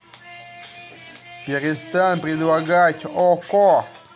перестань предлагать okko